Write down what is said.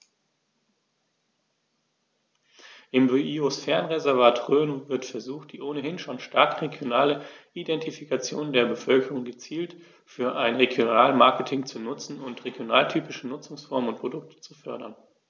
Im Biosphärenreservat Rhön wird versucht, die ohnehin schon starke regionale Identifikation der Bevölkerung gezielt für ein Regionalmarketing zu nutzen und regionaltypische Nutzungsformen und Produkte zu fördern.